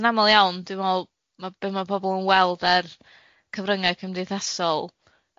so'n amal iawn dwi'n mel ma' be- ma' bobol yn weld ar cyfryngau cymdeithasol